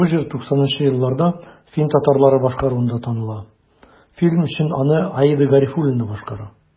Бу җыр 90 нчы елларда фин татарлары башкаруында таныла, фильм өчен аны Аида Гарифуллина башкара.